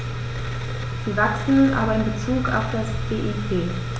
Sie wachsen, aber in bezug auf das BIP.